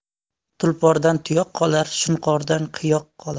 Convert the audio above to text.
tulpordan tuyoq qolar shunqordan qiyoq qolar